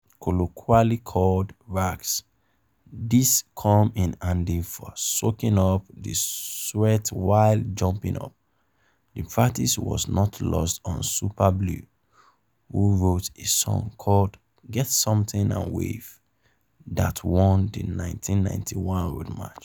Colloquially called "rags", these come in handy for soaking up the sweat while "jumping up". The practice was not lost on Super Blue, who wrote a song called "Get Something and Wave", that won the 1991 Road March.